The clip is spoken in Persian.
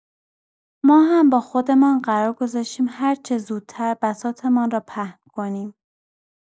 ما هم با خودمان قرار گذاشتیم هرچه زودتر بساطمان را پهن کنیم.